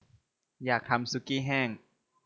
อยากทำสุกี้แห้ง